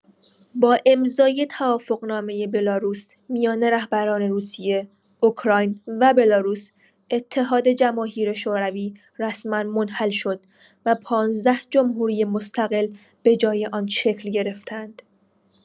با امضای توافقنامه بلاروس میان رهبران روسیه، اوکراین و بلاروس، اتحاد جماهیر شوروی رسما منحل شد و پانزده جمهوری مستقل به‌جای آن شکل گرفتند.